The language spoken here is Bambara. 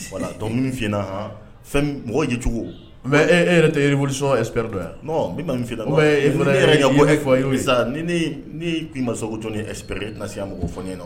Wala donc n bɛ min f''i ɲɛna han, fɛn mɔgɔ yecogo mais e e yɛrɛ tɛ revolution expert dɔ ye wa ? Non n bɛna mun f'i ɲɛna, ou bien ni ne k'i ma sisan ko jɔn ye expert e yɛ na se ka mɔgɔw fɔ n ɲɛna.